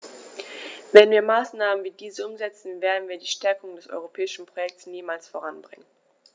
Wenn wir Maßnahmen wie diese umsetzen, werden wir die Stärkung des europäischen Projekts niemals voranbringen.